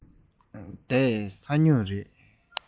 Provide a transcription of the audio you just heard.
འདི ས སྨྱུག རེད